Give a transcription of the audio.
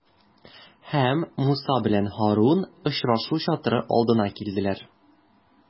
Һәм Муса белән Һарун очрашу чатыры алдына килделәр.